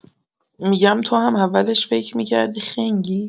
می‌گم تو هم اولش فکر می‌کردی خنگی؟